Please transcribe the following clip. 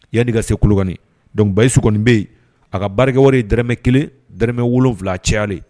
Yanni ka se Kolokani, donc Bayusu kɔnni bɛ yen. A ka baarakɛ wari ye dɔrɔmɛ 1 dɔrɔmɛ 7 a cayalen.